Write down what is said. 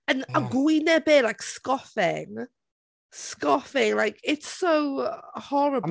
yn... a gwyneb e, like, scoffing, scoffing, like, it's so horrible.